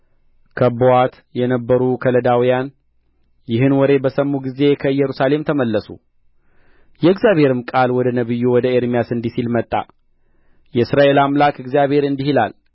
ከብበዋት የነበሩ ከለዳውያን ይህን ወሬ በሰሙ ጊዜ ከኢየሩሳሌም ተመለሱ የእግዚአብሔርም ቃል ወደ ነቢዩ ወደ ኤርምያስ እንዲህ ሲል መጣ የእስራኤል አምላክ እግዚአብሔር እንዲህ ይላል